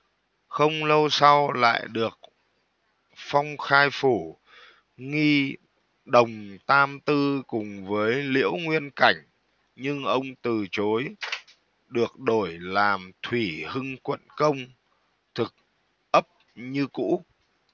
không lâu sau lại được phong khai phủ nghi đồng tam tư cùng với liễu nguyên cảnh nhưng ông từ chối được đổi làm thủy hưng quận công thực ấp như cũ